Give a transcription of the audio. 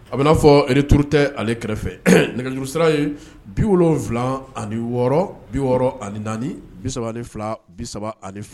A bɛ n'a fɔ retour tɛ ale kɛrɛfɛ, nɛgɛjuru sira ye 76 64 64 32 .